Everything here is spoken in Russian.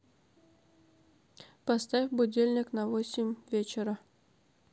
поставь будильник на восемь вечера